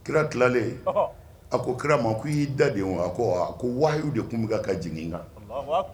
Kira dilalen a ko kira ma ko i y'i da de wa a ko wa de tun bɛ ka ka jigin kan